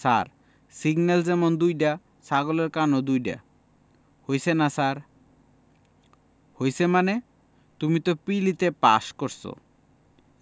ছার signal যেমুন দুইডা ছাগলের কানও দুইডা হইছে না ছার হইছে মানে তুমি তো প্রিলিতে পাস করছ